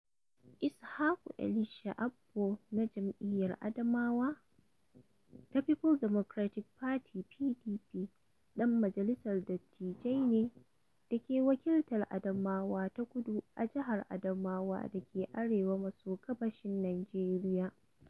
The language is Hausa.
Ishaku Elisha Abbo na jam'iyyar adawa ta People's Democratic Party (PDP) ɗan majalisar dattijai ne da ke wakiltar Adamawa ta Kudu a jihar Adamawa da ke arewa maso gabashin Nijeriya.